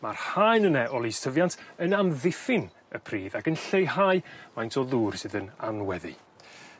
ma'r haen yne o lystyfiant yn amddiffyn y pridd ac yn lleihau faint o ddŵr sydd yn anweddu.